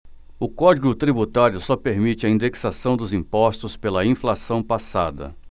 o código tributário só permite a indexação dos impostos pela inflação passada